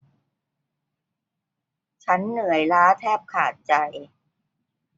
ฉันเหนื่อยล้าแทบขาดใจ